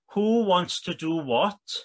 *who wants to do what